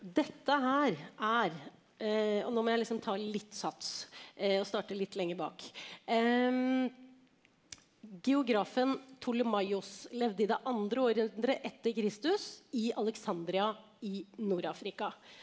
dette her er og nå må jeg liksom ta litt sats og starte litt lenger bak geografen Ptolemaios levde i det andre århundret etter Kristus i Aleksandria i Nord-Afrika.